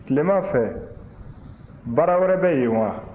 tilema fɛ baara wɛrɛ bɛ yen wa